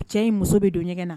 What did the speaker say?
Cɛ ye muso bɛ don ɲɛ na